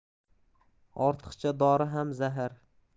ortiqcha dori ham zahar